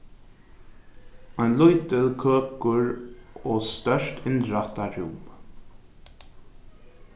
ein lítil køkur og stórt innrættað rúm